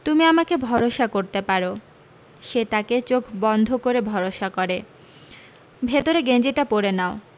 তুমি আমাকে ভরষা করতে পারো সে তাকে চোখ বন্ধ করে ভরষা করে ভেতরে গেঞ্জি টা পরে নাও